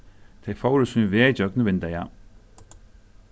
tey fóru sín veg gjøgnum vindeygað